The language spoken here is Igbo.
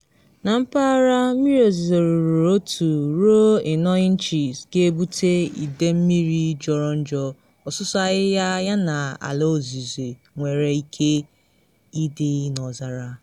Na mpaghara, mmiri ozizo ruru 1 ruo 4 inchis ga-ebute ide mmiri jọrọ njọ, ọsụsọ ahịhịa yana ala ọzịze nwere ike ịdị n’ọzara.